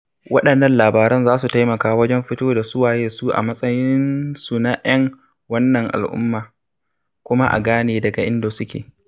Waɗannan labaran za su taimaka wajen fito da su waye su a matsayinsu na 'yan wannan al'umma kuma a gane daga inda suke.